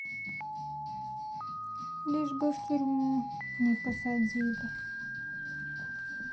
лишь бы в тюрьму не посадили